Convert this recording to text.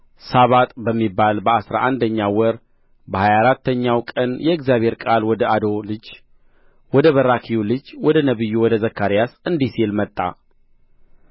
ሳባጥ በሚባል በአሥራ አንደኛው ወር በሀያ አራተኛው ቀን የእግዚአብሔር ቃል ወደ አዶ ልጅ ወደ በራክዩ ልጅ ወደ ነቢዩ ወደ ዘካርያስ እንዲህ ሲል መጣ